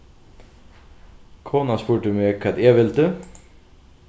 konan spurdi meg hvat eg vildi